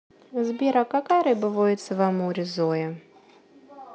сбер а какая рыба водится в амуре зоя